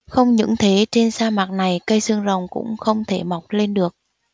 không những thế trên sa mạc này cây xương rồng cũng không thể mọc lên được